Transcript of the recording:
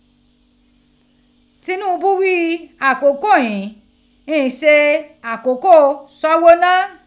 Tinubu ghii akoko ghin in se akoko sọ́ghọ́ná.